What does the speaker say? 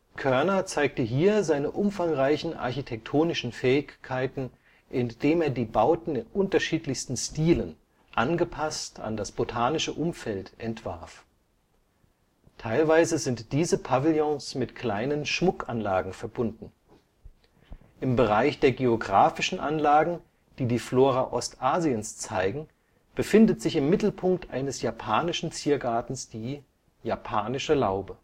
Koerner zeigte hier seine umfangreichen architektonischen Fähigkeiten, indem er die Bauten in unterschiedlichsten Stilen, angepasst an das botanische Umfeld, entwarf. Teilweise sind diese Pavillons mit kleinen Schmuckanlagen verbunden. Japanische Laube Im Bereich der geografischen Anlagen, die die Flora Ostasiens zeigen, befindet sich im Mittelpunkt eines japanischen Ziergartens die „ Japanische Laube